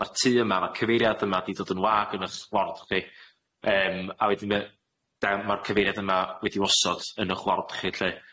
Ma'r tŷ yma, ma' cyfeiriad yma, 'di dod yn wag yn 'ych ward chi, yym a wedyn ma' da- ma'r cyfeiriad yma wedi'w osod yn 'ych ward chi lly.